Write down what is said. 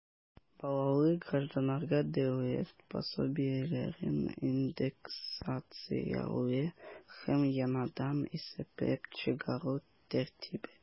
Балалы гражданнарга дәүләт пособиеләрен индексацияләү һәм яңадан исәпләп чыгару тәртибе.